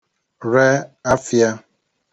re afịā